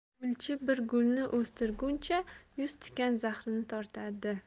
gulchi bir gulni o'stirguncha yuz tikan zahrini tortadi